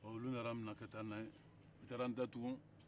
olu nana ka n'an minɛ ka taa n'an ye u taara an datugu